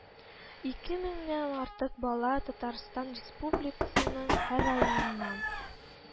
Ике меңнән артык бала татарстан республикасының һәр районыннан